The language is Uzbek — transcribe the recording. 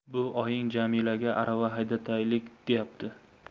bu oying jamilaga arava haydataylik deyabdi